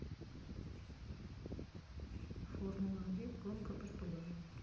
формула один гонка португалии